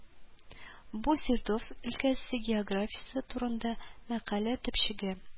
Бу Свердловск өлкәсе географиясе турында мәкалә төпчеге